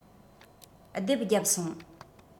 རྡེབ རྒྱབ སོང